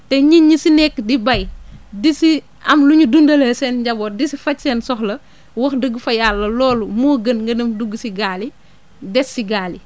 te nit ñi si nekk di bay di si am lu ñu dundalee seen njaboot di si faj seen soxla wax dëgg fa yàlla loolu moo gën nga dem dugg si gaal yi des si gaal yi